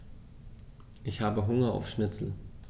Ich habe Hunger auf Schnitzel.